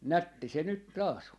nätti se nyt taas on